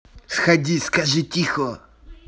сходи скажи тихо